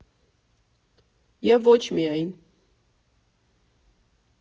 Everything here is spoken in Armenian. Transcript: ԵՒ ոչ միայն։